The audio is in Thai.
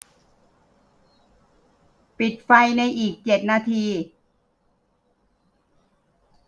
ปิดไฟในอีกเจ็ดนาที